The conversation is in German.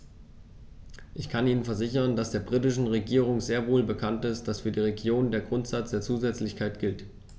Ich kann Ihnen versichern, dass der britischen Regierung sehr wohl bekannt ist, dass für die Regionen der Grundsatz der Zusätzlichkeit gilt.